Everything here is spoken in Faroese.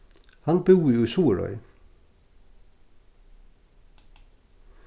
hann búði í suðuroy